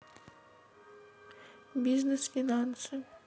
бизнес финансы